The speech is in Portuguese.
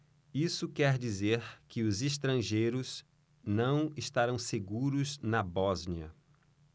isso quer dizer que os estrangeiros não estarão seguros na bósnia